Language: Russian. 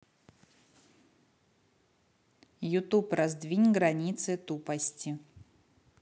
ютуб раздвинь границы тупости